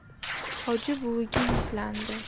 hoji buviga yuzlandi